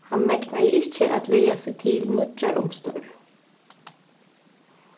hann megnaði ikki at laga seg til nýggjar umstøður